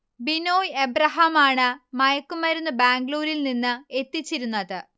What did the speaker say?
ബിനോയ് ഏബ്രഹാമാണ് മയക്കുമരുന്ന് ബാംഗ്ലൂരിൽ നിന്ന് എത്തിച്ചിരുന്നത്